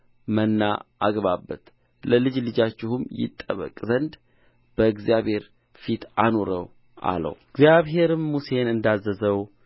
መና አግባበት ለልጅ ልጃችሁም ይጠበቅ ዘንድ በእግዚአብሔር ፊት አኑረው አለው እግዚአብሔርም ሙሴን እንዳዘዘው